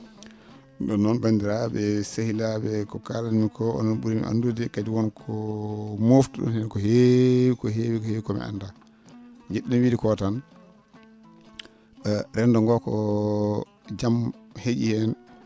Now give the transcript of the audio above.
?um ?oon noon banndiraa?e sehilaa?e e ko kaalatmi ko onon ?uri mi anndude kadi wonko moftu?on heen ko heewi ko heewi ko heewi ko mi anndaa njid?en wiide ko tan renndo ngoo ko jam he?i heen